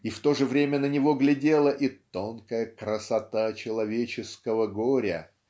И в то же время на него глядела Я тонкая "красота человеческого горя"